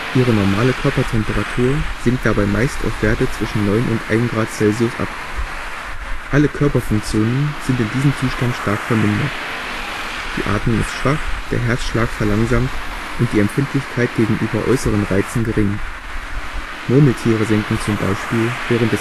Ihre normale Körpertemperatur sinkt dabei meist auf Werte zwischen 9 und 1 °C ab. Alle Körperfunktionen sind in diesem Zustand stark vermindert. Die Atmung ist schwach, der Herzschlag verlangsamt und die Empfindlichkeit gegenüber äußeren Reizen gering. Murmeltiere senken zum Beispiel während